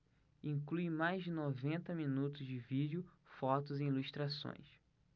inclui mais de noventa minutos de vídeo fotos e ilustrações